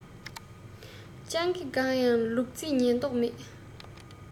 སྤྱང ཀི དགའ ཡང ལུག རྫི ཉན མདོག མེད